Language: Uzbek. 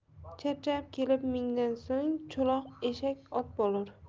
charchab kelib mingan so'ng cho'loq eshak ot bo'lur